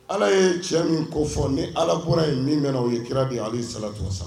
Ala ye cɛ min ko fɔ ni allah bɔra yen min bɛna o ye kira de ye aleyihi salatu wa salam.